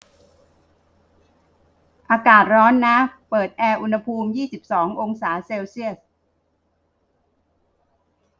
อากาศร้อนนะเปิดแอร์อุณหภูมิยี่สิบสององศาเซลเซียส